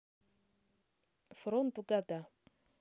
фронт в года